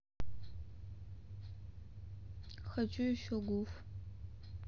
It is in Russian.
хочу еще гуф